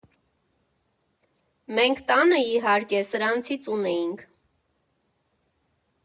Մենք տանը, իհարկե, սրանցից ունեինք։